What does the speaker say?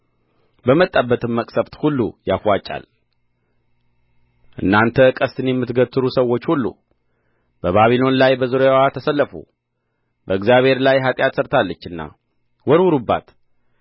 በመጣባትም መቅሠፍት ሁሉ ያፍዋጫል እናንተ ቀስትን የምትገትሩ ሰዎች ሁሉ በባቢሎን ላይ በዙሪያዋ ተሰለፉ በእግዚአብሔር ላይ ኃጢአት ሠርታለችና ወርውሩባት